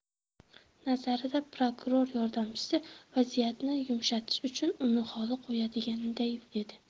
nazarida prokuror yordamchisi vaziyatni yumshatish uchun uni xoli qo'yadiganday edi